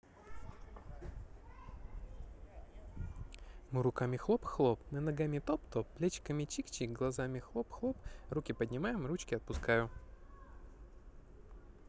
мы руками хлоп хлоп мы ногами топ топ плечиками чик чик глазками хлоп хлоп руки поднимаем ручки отпускаю